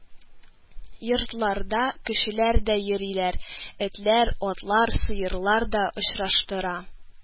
Йортларда кешеләр дә йөриләр, этләр, атлар, сыерлар да очраштыра